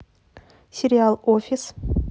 сериал офис